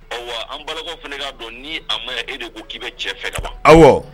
Ɔwɔ an bakaw fana k'a dɔn ni a ma e de ko k'i bɛ cɛ fɛ ka ban aw